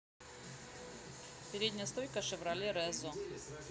передняя стойка шевроле резо